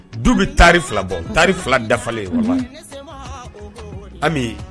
Du bɛ tari fila bɔ tari fila dafalen ami